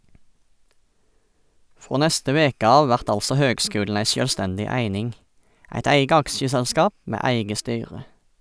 Frå neste veke av vert altså høgskulen ei sjølvstendig eining , eit eige aksjeselskap med eige styre.